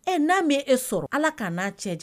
Ee n'a man e sɔrɔ Ala ka n'a kɛ